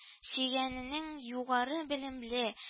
Сөйгәнеңнең югары белемле